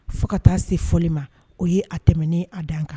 Fo ka taa se fɔ ma o ye a tɛmɛnen a dan kan